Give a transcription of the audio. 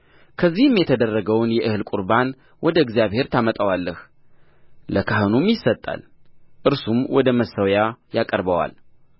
ከዚህም የተደረገውን የእህል ቍርባን ወደ እግዚአብሔር ታመጣለህ ለካህኑም ይሰጣል እርሱም ወደ መሠዊያው ያቀርበዋል